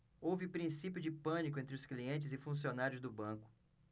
houve princípio de pânico entre os clientes e funcionários do banco